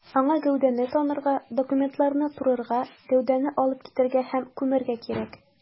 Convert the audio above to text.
Аңа гәүдәне танырга, документларны турырга, гәүдәне алып китәргә һәм күмәргә кирәк.